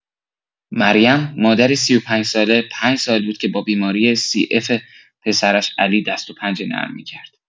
مریم، مادری ۳۵ ساله، پنج سال بود که با بیماری سی‌اف پسرش علی دست و پنجه نرم می‌کرد.